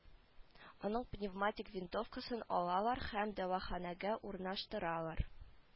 Аның пневматик винтовкасын алалар һәм дәваханәгә урнаштыралар